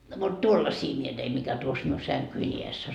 no mutta tuollaisia minä tein mikä tuossa minun sänkyni edessä on